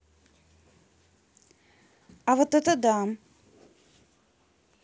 а вот это да